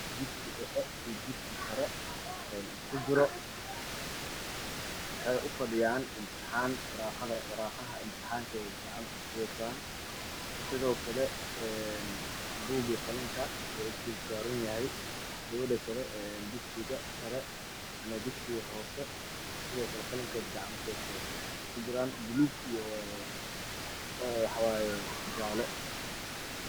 Dugsi dhexe iyo dugsi sare oo iskugu jiro waxay uu fadhiyaan imtixaan warqadaha imtixaan ay gacsnta ku hayaan sidoo kale buuqa iyo qalinka wuu is dulsaaranyahay gabadha kale dugsi dhaxa ama dugsiga sare qalinkeeda gacantay ku haysata wuxuu isku jiraa buluug iyo jaale